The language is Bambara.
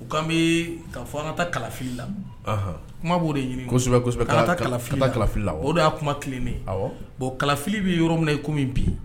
U kan bɛ ka fɔrata kalafili la kuma b'o de ɲinisɛbɛsɛbɛta kalafi kalafilila o de ye kuma kelennen bon kalafili bɛ yɔrɔ min ye kɔmi bi